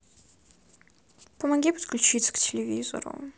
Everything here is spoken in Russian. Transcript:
помоги подключиться к телевизору